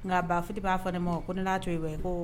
Nka ba fitigi b'a fɔ ne ma ko n'a to i ye ko